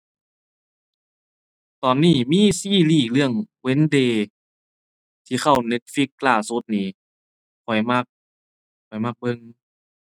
ตอนนี้มีซีรีส์เรื่อง Wednesday ที่เข้า Netflix ล่าสุดนี้ ข้อยมัก ข้อยมักเบิ่ง